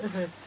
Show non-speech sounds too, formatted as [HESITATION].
[HESITATION] [HESITATION]